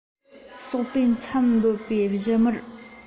ཟོག པོའི མཚམ འདོན པའི བཞུ མར